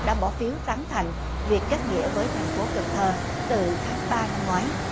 đã bỏ phiếu tán thành việc kết nghĩa với thành phố cần thơ từ tháng ba năm ngoái